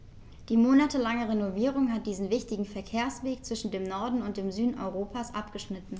Die monatelange Renovierung hat diesen wichtigen Verkehrsweg zwischen dem Norden und dem Süden Europas abgeschnitten.